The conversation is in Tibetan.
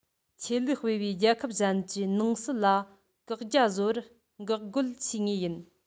ཆོས ལུགས སྤེལ བའི རྒྱལ ཁབ གཞན གྱི ནང སྲིད ལ བཀག རྒྱ བཟོ བར འགོག རྒོལ བྱེད ངེས ཡིན